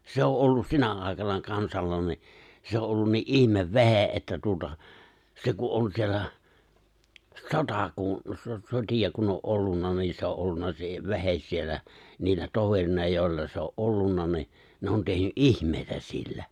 se on ollut sinä aikana kansalla niin se on ollut niin ihmevehje että tuota se kun on siellä sota kun - sotia kun on ollut niin se on ollut se vehje siellä niillä toverina joilla se on ollut niin ne on tehnyt ihmeitä sillä